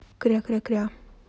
кря кря кря